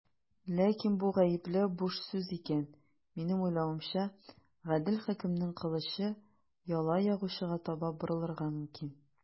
Ләкин бу гаепләү буш сүз икән, минем уйлавымча, гадел хөкемнең кылычы яла ягучыга таба борылырга мөмкин.